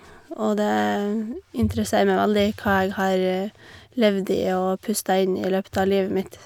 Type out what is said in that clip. Og det interesserer meg veldig hva jeg har levd i og pusta inn i løpet av livet mitt.